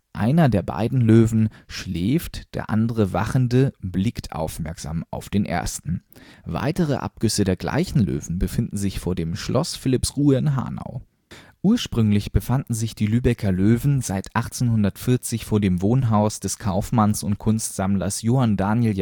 Einer der beiden Löwen schläft, der andere wachende blickt aufmerksam auf den ersten. Weitere Abgüsse der gleichen Löwen befinden sich vor dem Schloss Philippsruhe in Hanau. Ursprünglich befanden sich die Lübecker Löwen seit 1840 vor dem Wohnhaus des Kaufmanns und Kunstsammlers Johann Daniel